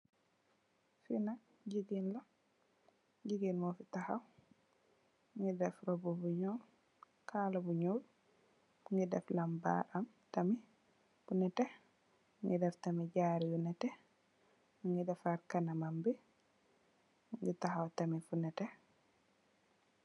Fi nak jigeen la jigeen mofi tawaw mongi def roba bu nuul kala bu nuul mongi def lampa tamit bu nete jaaru yu nete mongi defar kanambi mo tawaw tamit fu nete.